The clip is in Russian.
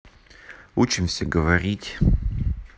учимся говорить